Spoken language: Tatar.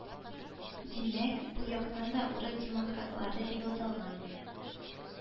Димәк, бу яктан да урыс демократлары дип аталган